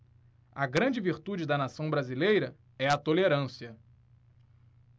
a grande virtude da nação brasileira é a tolerância